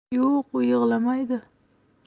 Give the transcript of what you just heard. yo'q u yig'lamaydi